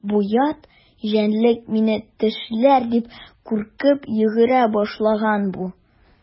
Бу ят җәнлек мине тешләр дип куркып йөгерә башлаган бу.